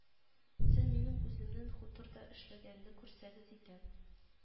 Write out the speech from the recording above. Сез минем үземнең хуторда эшләгәнне күрсәгез иде